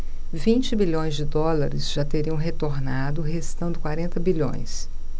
vinte bilhões de dólares já teriam retornado restando quarenta bilhões